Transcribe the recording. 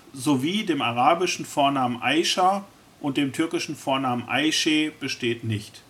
sowie dem arabischen Vornamen A'ischa und dem türkischen Vornamen Ayşe besteht nicht